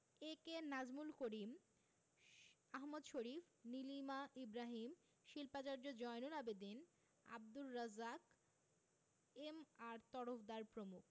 A K Nazmul Karim Ahmad Sharif Nilima Ibrahim শিল্পাচার্য Zainul Abedin Abdur Razzaq M R Tarafdar প্রমুখ